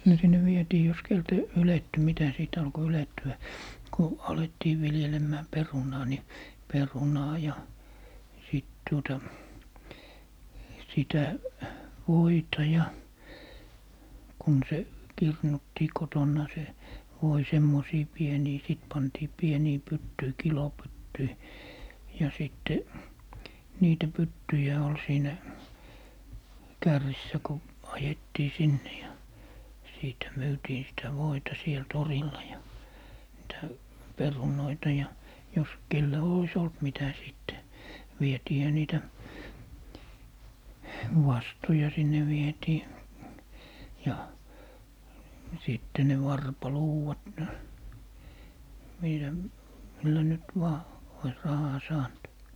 no sinne vietiin jos keneltä ylettyi mitä sitten alkoi ylettyä kun alettiin viljelemään perunaa niin perunaa ja sitten tuota sitä voita ja kun se kirnuttiin kotona se voi semmoisiin pieniin sitten pantiin pieniin pyttyihin kilopyttyihin ja sitten niitä pyttyjä oli siinä kärrissä kun ajettiin sinne ja siitä myytiin sitä voita siellä torilla ja niitä perunoita ja jos kenellä olisi ollut mitä sitten vietiinhän niitä vastoja sinne vietiin ja sitten ne varpaluudat niitä millä nyt vain olisi rahaa saanut